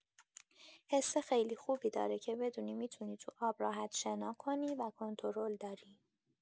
حس خیلی خوبی داره که بدونی می‌تونی تو آب راحت شنا کنی و کنترل داری.